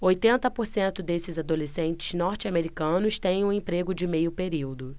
oitenta por cento desses adolescentes norte-americanos têm um emprego de meio período